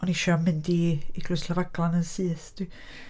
O'n i isio mynd i Eglwys Llanfaglan yn syth.